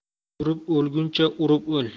turib o'lguncha urib o'l